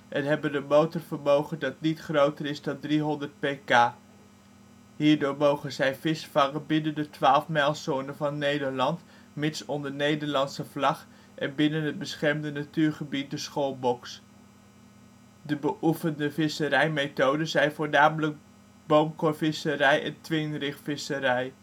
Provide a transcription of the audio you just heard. en hebben een motorvermogen dat niet groter is dan 300 PK. Hierdoor mogen zij vis vangen binnen de 12-mijls zone van Nederland (mits onder Nederlandse vlag) en binnen het beschermde natuurgebied " de scholbox ". De beoefende visserijmethoden zijn voornamelijk boomkorvisserij en de twin-rig visserij